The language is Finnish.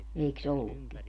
eikös ollutkin